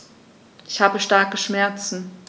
Ich habe starke Schmerzen.